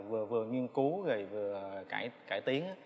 vừa vừa nghiên cứu rồi vừa cải cải tiến